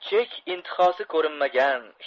chek intihosi ko'rinmagan